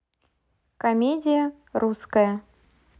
комедия русская